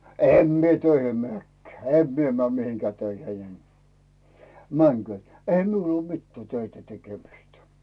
en minä töihin menekään en minä mene mihinkään töihin en menkööt eihän minulla ole mitään töitä tekemistä